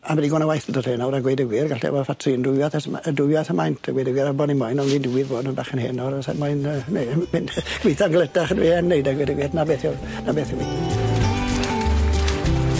A ma' digon o waith yn dod yn do mewn nawr a gweud y gwir galle ffatri'n dwiwiaeth as ma- yy dwiwiaeth y maint a gweud y gwir am bo' ni moyn on' fi'n digwydd bod yn bach yn hen nawr a sai'n moyn yy ne- myn' gweitho'n gletach na fi yn neud a gweud y gwir 'na beth yw 'na beth yw'r 'na beth yw 'i.